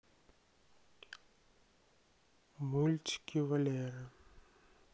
мультики валера